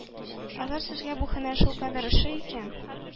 Әгәр сезгә бу һөнәр шулкадәр ошый икән,